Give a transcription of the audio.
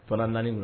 Fana naani